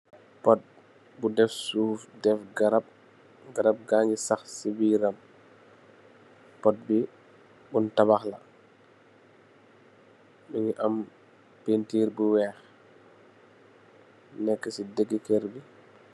Pot bi def suuf, def garab, garab ba ngi sah ci biiram. Pobi bun tabah la, mungi am pentir bu weeh, nekk ci digi kër bi.